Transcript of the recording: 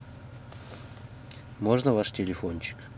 можно ваш телефончик